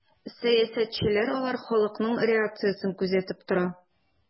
Сәясәтчеләр алар халыкның реакциясен күзәтеп тора.